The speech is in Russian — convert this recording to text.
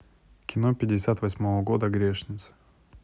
кино пятьдесят восьмого года грешница